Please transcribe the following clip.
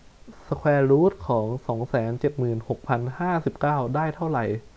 สแควร์รูทของสองแสนเจ็ดหมื่นหกพันห้าสิบเก้าได้เท่าไหร่